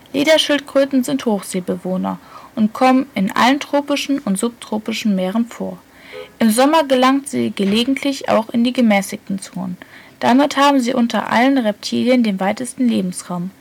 Lederschildkröten sind Hochseebewohner und kommen in allen tropischen und subtropischen Meeren vor. Im Sommer gelangt sie gelegentlich auch in die gemäßigten Zonen. Damit haben sie unter allen Reptilien den weitesten Lebensraum